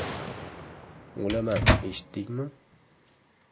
o'laman eshitdingmi